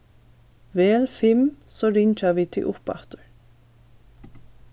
vel fimm so ringja vit teg uppaftur